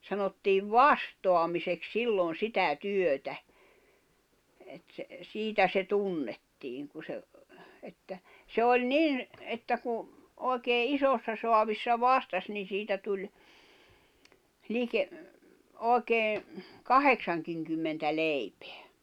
sanottiin vastaamiseksi silloin sitä työtä että se siitä se tunnettiin kun se että se oli niin että kun oikein isossa saavissa vastasi niin siitä tuli - oikein kahdeksankinkymmentä leipää